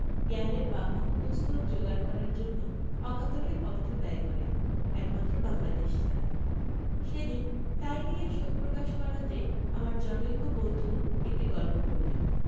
জ্ঞানের বাহন পুস্তক যোগাড় করার জন্য অকাতরে অর্থ ব্যয় করে একমাত্র বাঙলা দেশ ছাড়া সেদিন তাই নিয়ে শোকপ্রকাশ করাতে আমার জনৈক বন্ধু একটি গল্প বললেন